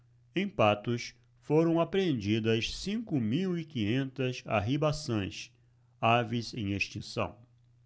em patos foram apreendidas cinco mil e quinhentas arribaçãs aves em extinção